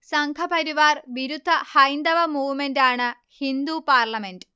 സംഘപരിവാർ വിരുദ്ധ ഹൈന്ദവ മൂവ്മെന്റാണ് ഹിന്ദു പാർളമെന്റ്